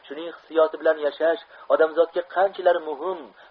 shuning hissiyoti bilan yashash odamzodga qanchalar muhim